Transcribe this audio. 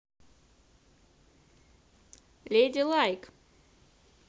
lady like